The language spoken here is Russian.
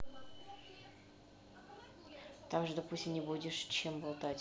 также допустим не будешь чем болтать